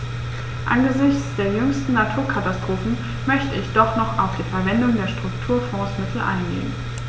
Angesichts der jüngsten Naturkatastrophen möchte ich doch noch auf die Verwendung der Strukturfondsmittel eingehen.